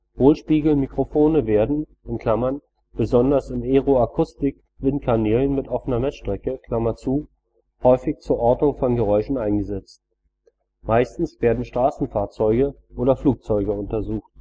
Hohlspiegelmikrofone werden (besonders in Aeroakustik-Windkanälen mit offener Messstrecke) häufig zur Ortung von Geräuschen eingesetzt. Meistens werden Straßenfahrzeuge oder Flugzeuge untersucht